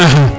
axa